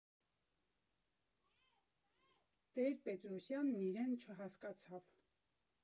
Տեր֊֊Պետրոսյանն իրեն չհասկացավ։